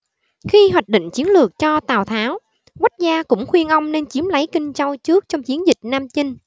khi hoạch định chiến lược cho tào tháo quách gia cũng khuyên ông nên chiếm lấy kinh châu trước trong chiến dịch nam chinh